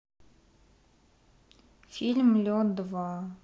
фильм лед два